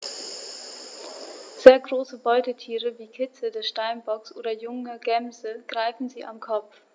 Sehr große Beutetiere wie Kitze des Steinbocks oder junge Gämsen greifen sie am Kopf.